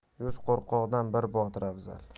yuz qo'rqoqdan bir botir afzal